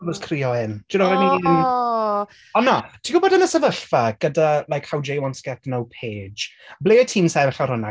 I was crio-ing. Do you know what I mean?... O! ...Ond na, ti'n gwybod yn y sefyllfa, gyda like how Jay wants to get to know Paige. Ble ti'n sefyll ar hwnna?